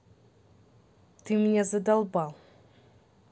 ты меня задолбал